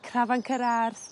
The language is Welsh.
crafanc yr ardd